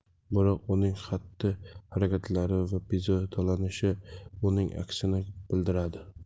biroq uning xatti harakatlari va bezovtalanishi buning aksini bildiradi